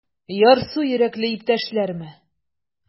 Ярсу йөрәкле иптәшләреме?